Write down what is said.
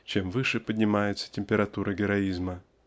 чем выше поднимается температура героизма.